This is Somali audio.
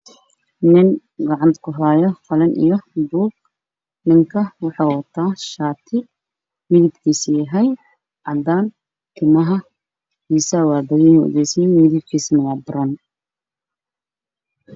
Nin gacanta kuhayo qalin io buug ninka waxow wata shati cadan ah timah midabkis waa baron